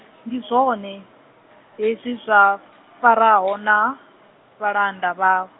ndi zwone, hezwi zwa, Faraho na, vhalanda vhaw-.